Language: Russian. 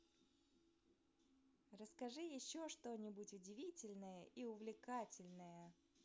расскажи еще что нибудь удивительное и увлекательное